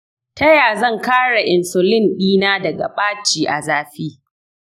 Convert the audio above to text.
ta ya zan kare insulin ɗina daga ɓaci a zafi?